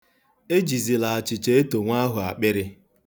Ejizila achịcha eto nwa ahụ akpịrị.